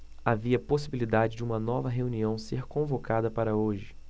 havia possibilidade de uma nova reunião ser convocada para hoje